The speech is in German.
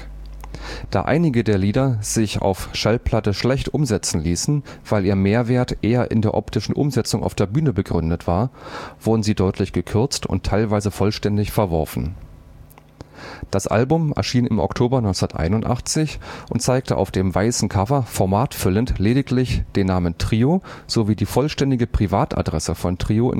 einige der Lieder sich auf Schallplatte schlecht umsetzen ließen, weil ihr Mehrwert eher in der optischen Umsetzung auf der Bühne begründet war, wurden sie deutlich gekürzt und teilweise vollständig verworfen. Das Album erschien im Oktober 1981 und zeigte auf dem weißen Cover formatfüllend lediglich den Namen „ Trio “sowie die vollständige Privatadresse von Trio